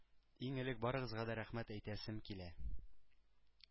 .— иң элек барыгызга да рәхмәт әйтәсем килә.